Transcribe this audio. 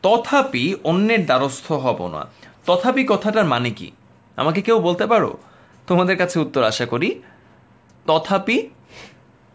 তথাপি অন্যের দ্বারস্থ হবো না তথাপি কথাটার মানে কি আমাকে কেউ বলতে পারো তোমাদের কাছে উত্তর আশা করি তথাপি